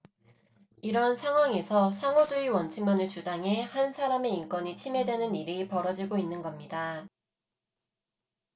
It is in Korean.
이런 상황에서 상호주의 원칙만을 주장해 한 사람의 인권이 침해되는 일이 벌어지고 있는 겁니다